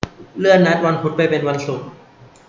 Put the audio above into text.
เลื่อนนัดวันพุธไปเป็นวันศุกร์